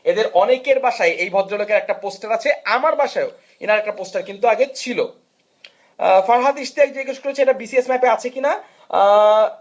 এদের অনেকের বাসায় এই ভদ্রলোকের একটা পোস্টার আছে আমার বাসা ও ওনার একটা পোস্টার কিন্তু আগে ছিল ফারহাদ ইশতিয়াক জিজ্ঞেস করেছে এটা বিসিএস ম্যাপে আছে কিনা